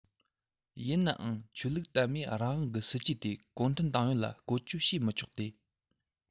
ཡིན ནའང ཆོས ལུགས དད མོས རང དབང གི སྲིད ཇུས དེ གུང ཁྲན ཏང ཡོན ལ བཀོལ སྤྱོད བྱས མི ཆོག སྟེ